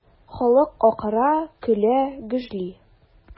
Халык акыра, көлә, гөжли.